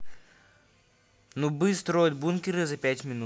нубы строят бункеры за пять минут